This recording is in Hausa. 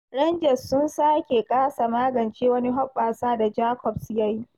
Rangers sun sake kasa magance wani hoɓɓasa da Jacobs ya yi.